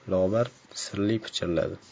lobar sirli pichirladi